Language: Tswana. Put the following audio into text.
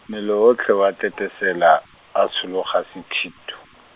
mmele otlhe wa tetesela, a tshologa sethitho.